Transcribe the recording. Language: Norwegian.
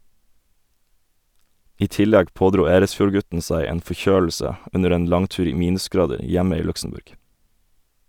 I tillegg pådro Eresfjord-gutten seg en forkjølelse under en langtur i minusgrader hjemme i Luxembourg.